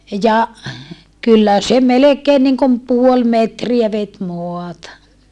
ja kyllä se melkein niin kuin puoli metriä veti maata